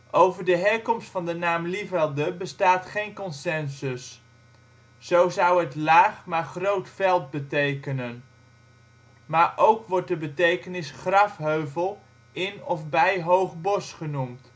Over de herkomst van de naam Lievelde bestaat geen consensus. Zo zou het ' laag, maar groot veld ' betekenen (onbekende bron), maar ook wordt de betekenis ' grafheuvel in of bij hoog bos ' genoemd